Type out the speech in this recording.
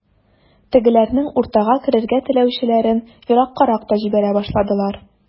Тегеләрнең уртага керергә теләүчеләрен ераккарак та җибәрә башладылар.